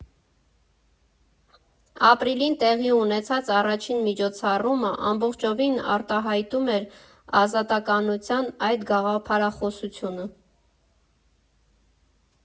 Ապրիլին տեղի ունեցած առաջին միջոցառումը ամբողջովին արտահայտում էր ազատականության այդ գաղափարախոսությունը։